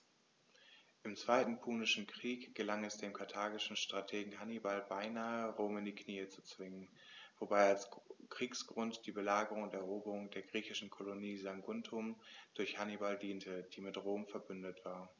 Im Zweiten Punischen Krieg gelang es dem karthagischen Strategen Hannibal beinahe, Rom in die Knie zu zwingen, wobei als Kriegsgrund die Belagerung und Eroberung der griechischen Kolonie Saguntum durch Hannibal diente, die mit Rom „verbündet“ war.